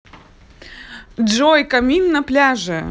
джой камин на пляже